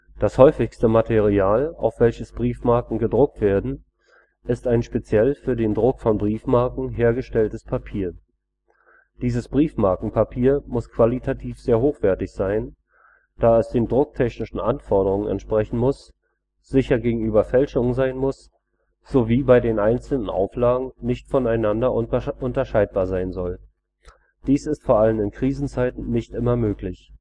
Das häufigste Material, auf welches Briefmarken gedruckt werden, ist ein speziell für den Druck von Briefmarken hergestelltes Papier. Dieses Briefmarkenpapier muss qualitativ sehr hochwertig sein, da es den drucktechnischen Anforderungen entsprechen muss, sicher gegenüber Fälschungen sein muss, sowie bei den einzelnen Auflagen nicht voneinander unterscheidbar sein soll. Dies ist vor allem in Krisenzeiten nicht immer möglich